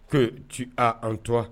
Ko ci an tora